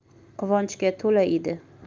quvonchga to'la edi